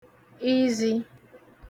izī